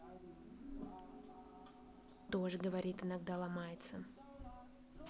тоже говорит иногда ломается